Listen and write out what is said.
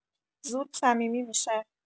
زود صمیمی می‌شه